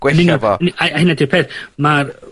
...fo. Ni-... A a hynna 'di'r peth . Ma'r